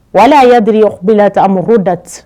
Wala a ya bi yɔrɔ bla ta a mahɔ datti